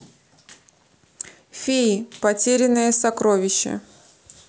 феи потерянное сокровище